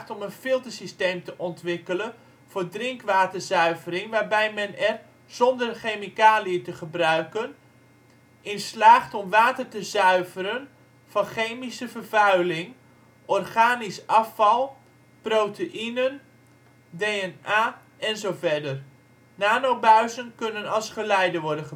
om een filtersysteem te ontwikkelen voor drinkwaterzuivering waarbij men er, zonder chemicaliën te gebruiken, in slaagt om water te zuiveren van chemische vervuiling, organisch afval, proteïnen, DNA en zoverder. Nanobuizen kunnen als geleider worden